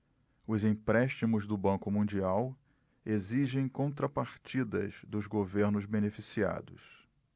os empréstimos do banco mundial exigem contrapartidas dos governos beneficiados